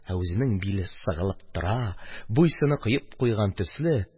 Ә үзенең биле сыгылып тора, буе-сыны коеп куйган төсле.